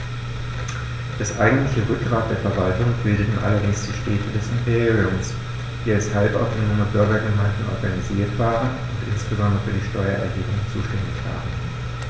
Das eigentliche Rückgrat der Verwaltung bildeten allerdings die Städte des Imperiums, die als halbautonome Bürgergemeinden organisiert waren und insbesondere für die Steuererhebung zuständig waren.